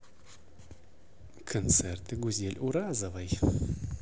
концерты гузель уразовой